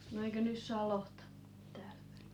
no eikö nyt saa lohta täällä